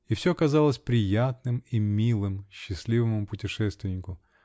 И все казалось приятным и милым счастливому путешественнику.